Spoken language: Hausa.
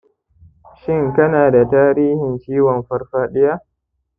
shin kana da tarihin ciwon farfaɗiya?